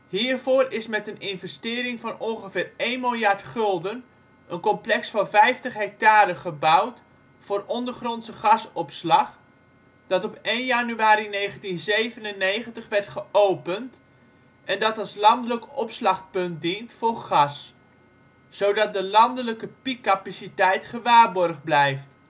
Hiervoor is met een investering van ongeveer 1 miljard gulden een complex van 50 hectare gebouwd voor ondergrondse gasopslag dat op 1 januari 1997 werd geopend en dat als landelijk opslagpunt dient voor gas, zodat de landelijke piekcapaciteit gewaarborgd blijft